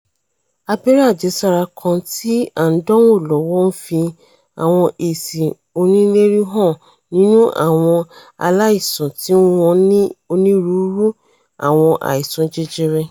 Abẹ́rẹ́ àjẹsára kan tí a ńdánwò lọ́wọ́ ńfi àwọn èsì oníìlérí hàn nínú àwọn aláìsàn tíwọ́n ní onírú-irú àwọn àìsàn jẹjẹrẹ.